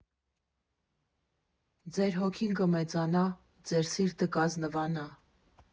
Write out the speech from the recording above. Ձեր հոգին կմեծանա, ձեր սիրտը կազնվանա։